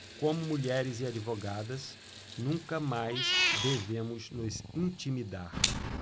como mulheres e advogadas nunca mais devemos nos intimidar